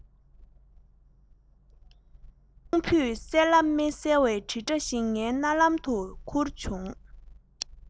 རླུང བུས གསལ ལ མི གསལ བའི དྲིལ སྒྲ ཞིག ངའི རྣ ལམ དུ ཁུར བྱུང